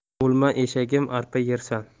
o'lma eshagim arpa yersan